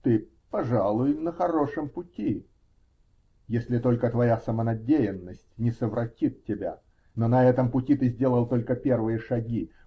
Ты, пожалуй, на хорошем пути -- если только твоя самонадеянность не совратит тебя, но на этом пути ты сделал только первые шаги.